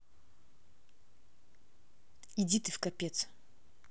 иди ты в капец